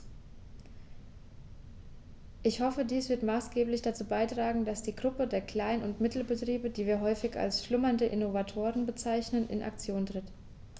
Ich hoffe, dies wird maßgeblich dazu beitragen, dass die Gruppe der Klein- und Mittelbetriebe, die wir häufig als "schlummernde Innovatoren" bezeichnen, in Aktion tritt.